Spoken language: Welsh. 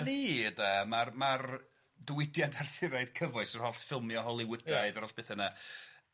...gwn i de, ma'r ma'r diwydiant Arthuraidd cyfoes yr holl ffilmia' Hollywoodaidd.... Ia. ...yr oll bethe yna.